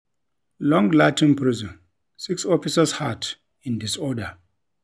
Long Lartin prison: Six officers hurt in disorder